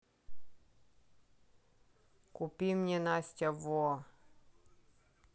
купи мне настя во